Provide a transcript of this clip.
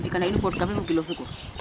a jika na in o pot café ko kilos sukur